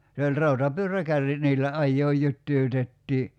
se oli rautapyöräkärryt niillä ajaa jytyytettiin